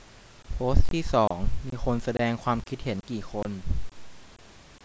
โพสต์ที่สองมีคนแสดงความคิดเห็นกี่คน